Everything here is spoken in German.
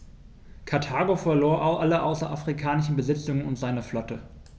Karthago verlor alle außerafrikanischen Besitzungen und seine Flotte.